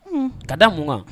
Ka da mun